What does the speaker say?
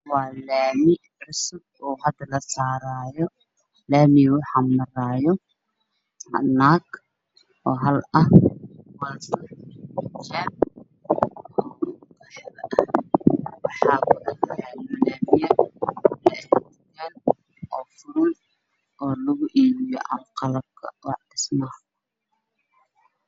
Meeshan waa meel laami ah waxaa marayo naag wadato guduuda ah